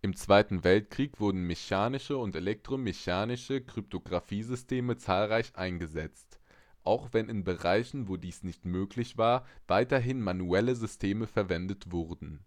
Zweiten Weltkrieg wurden mechanische und elektromechanische (T52, SZ42) Kryptographiesysteme zahlreich eingesetzt, auch wenn in Bereichen, wo dies nicht möglich war, weiterhin manuelle Systeme verwendet wurden